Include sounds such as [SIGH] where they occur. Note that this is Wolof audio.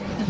[HESITATION]